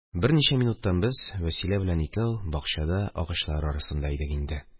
Берничә минуттан без – Вәсилә белән икәү – бакчада, агачлар арасында идек инде